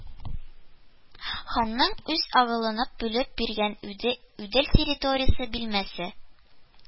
Ханның үз угылына бүлеп биргән «удел территориясе, биләмәсе»